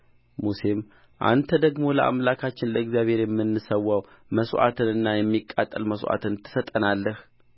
ሙሴም አንተ ደግሞ ለአምላካችን ለእግዚአብሔር የምንሠዋው መሥዋዕትንና የሚቃጠል መሥዋዕትን ትሰጠናለህ